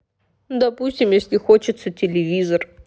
допустим если хочется телевизор